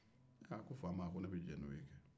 aa a ko fama ne bɛ jɛn ni o ye kɛɛ